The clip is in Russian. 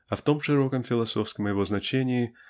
а в том широком философском его значении